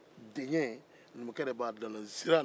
dɛɲɛ numukɛ b'a dila o la